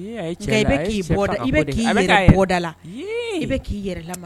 Ida la i yɛrɛ